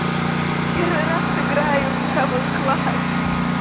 первый раз играю в бравл класс